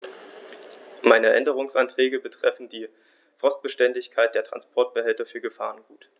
Meine Änderungsanträge betreffen die Frostbeständigkeit der Transportbehälter für Gefahrgut.